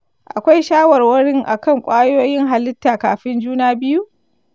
akwai shawarwarin akan kwayoyin halitta kafin juna biyu?